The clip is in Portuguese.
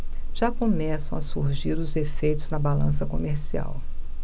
já começam a surgir os efeitos na balança comercial